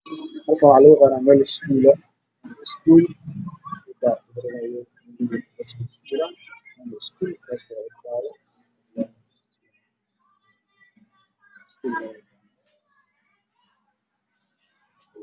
meeshaan waa iskuul faslkiisa waxaa ku jiro gabdho iyo wiilal wataan dhar cadaan ah